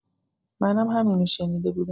منم همینو شنیده بودم